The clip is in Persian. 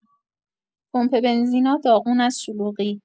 پمپ بنزینا داغون از شلوغی